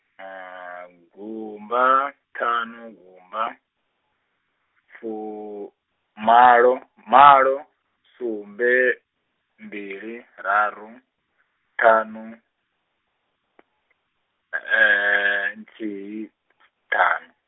gumba, ṱhanu gumba, fumalo malo, sumbe, mbili raru, ṱhanu , nthihi, ṱhanu.